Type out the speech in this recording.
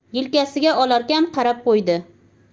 yelkasiga olarkan qarab qo'ydi